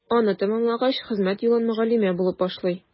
Аны тәмамлагач, хезмәт юлын мөгаллимә булып башлый.